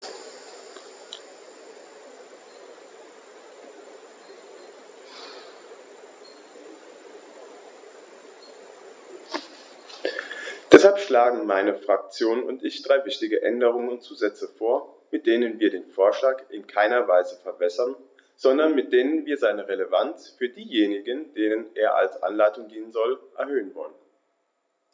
Deshalb schlagen meine Fraktion und ich drei wichtige Änderungen und Zusätze vor, mit denen wir den Vorschlag in keiner Weise verwässern, sondern mit denen wir seine Relevanz für diejenigen, denen er als Anleitung dienen soll, erhöhen wollen.